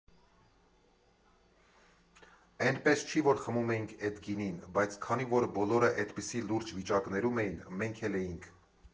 Էնպես չի, որ խմում էինք էդ գինին, բայց քանի որ բոլորը էդպիսի լուրջ վիճակներում էին, մենք էլ էինք։